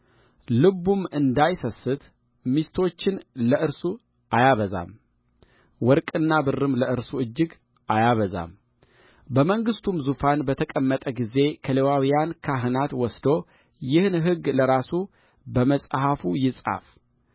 ልቡም እንዳይስት ሚስቶችን ለእርሱ አያበዛም ወርቅና ብርም ለእርሱ እጅግ አያበዛም በመንግሥቱም ዙፋን በተቀመጠ ጊዜ ከሌዋውያን ካህናት ወስዶ ይህን ሕግ ለራሱ በመጽሐፍ ይጻፍ